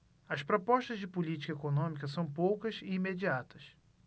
as propostas de política econômica são poucas e imediatas